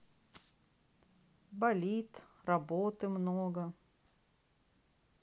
болит работы много было